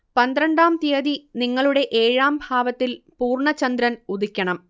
പന്ത്രണ്ടാം തീയതി നിങ്ങളുടെ ഏഴാം ഭാവത്തിൽ പൂർണ ചന്ദ്രൻ ഉദിക്കണം